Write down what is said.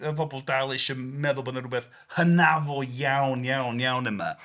Bobl dal isio meddwl bod 'na rhywbeth hynafol iawn, iawn, iawn yma.